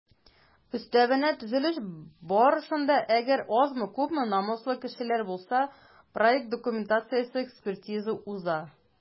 Өстәвенә, төзелеш барышында - әгәр азмы-күпме намуслы кешеләр булса - проект документациясе экспертиза уза.